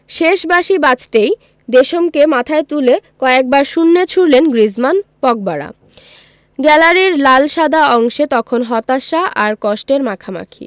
শেষ বাঁশি বাজতেই দেশমকে মাথায় তুলে কয়েকবার শূন্যে ছুড়লেন গ্রিজমান পগবারা গ্যালারির লাল সাদা অংশে তখন হতাশা আর কষ্টের মাখামাখি